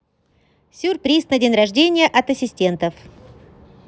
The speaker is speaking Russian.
сюрприз на день рождения от ассистентов